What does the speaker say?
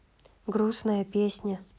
грустная песня